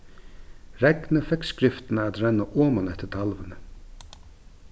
regnið fekk skriftina at renna oman eftir talvuni